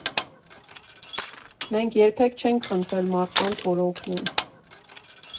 «Մենք երբեք չենք խնդրել մարդկանց, որ օգնեն»։